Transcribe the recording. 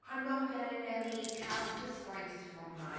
I'm not getting any character spice from her.